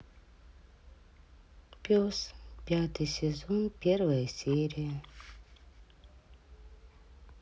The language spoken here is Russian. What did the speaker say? пес пятый сезон первая серия